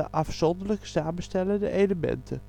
afzonderlijke samenstellende elementen